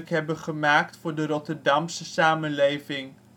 hebben gemaakt voor de Rotterdamse samenleving